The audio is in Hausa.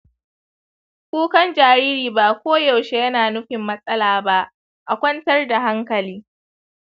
kukan jariri ba koyaushe yana nufin matsala ba; a kwantar da hankali.